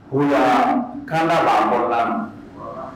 Ayiwa kaana lamɔ la